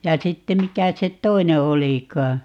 ja sitten mikä se toinen olikaan